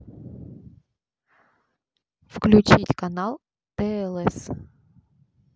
включить канал тлс